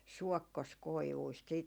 suokkoskoivuista sitten